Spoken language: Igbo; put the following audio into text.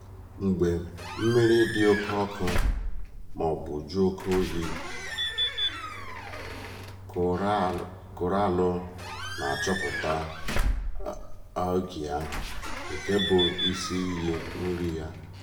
Mgbe mmiri dị oke ọkụ (mọọbụ jụọ oke oyi), Koraalụ na-achụpụ Algae ahụ — nke bụ isi iyi nri ya.